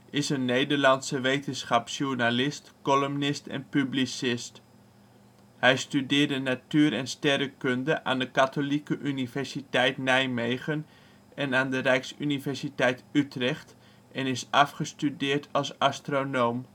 is een Nederlandse wetenschapsjournalist, columnist en publicist. Hij studeerde natuur - en sterrenkunde aan de Katholieke Universiteit Nijmegen en Rijksuniversiteit Utrecht en is afgestudeerd als astronoom